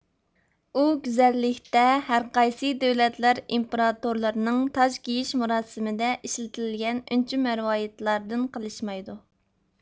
ئۇ گۈزەللىكتە ھەرقايسى دۆلەتلەر ئىمپىراتورلىرىنىڭ تاج كىيىش مۇراسىمىدا ئىشلىتىلگەن ئۈنچە مەرۋايىتلاردىن قېلىشمايدۇ